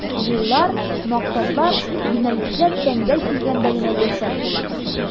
Юллар, максатлар, юнәлешләр тәңгәл килгәндә генә яшәп була.